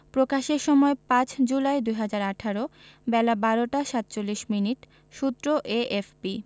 প্রকাশের সময় ৫ জুলাই ২০১৮ বেলা ১২টা ৪৭ মিনিট সূত্র এএফপি